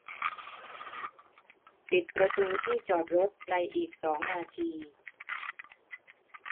ปิดประตูที่จอดรถในอีกสองนาที